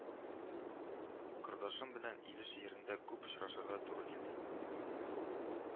Кордашым белән Илеш җирендә күп очрашырга туры килде